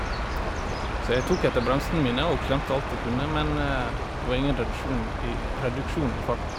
Så jeg tok etter bremsene mine og klemte alt jeg kunne, men det var ingen redusjon i reduksjon i fart.